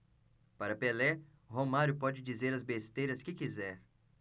para pelé romário pode dizer as besteiras que quiser